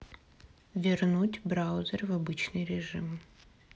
вернуть браузер в обычный режим